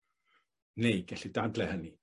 Neu gellir dadle hynny.